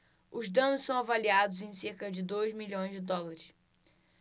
os danos são avaliados em cerca de dois milhões de dólares